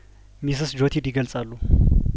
ሚስስ ጆቲድ ይገልጻሉ